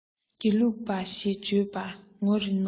དགེ ལུགས པ ཞེས བརྗོད པར ངོ རེ གནོང